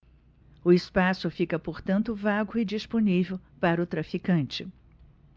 o espaço fica portanto vago e disponível para o traficante